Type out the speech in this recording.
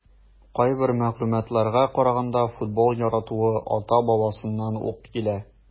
Кайбер мәгълүматларга караганда, футбол яратуы ата-бабасыннан ук килә.